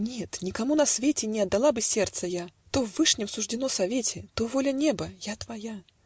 Нет, никому на свете Не отдала бы сердца я! То в вышнем суждено совете. То воля неба: я твоя